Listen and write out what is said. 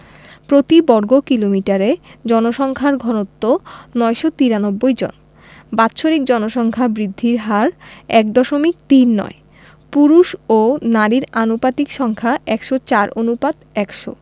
প্রতি বর্গ কিলোমিটারে জনসংখ্যার ঘনত্ব ৯৯৩ জন বাৎসরিক জনসংখ্যা বৃদ্ধির হার ১দশমিক তিন নয় পুরুষ ও নারীর আনুপাতিক সংখ্যা ১০৪ অনুপাত ১০০